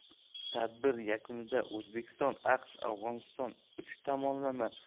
tadbir yakunida o'zbekiston aqsh afg'oniston uch tomonlama